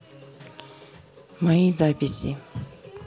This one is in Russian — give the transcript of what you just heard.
мои записи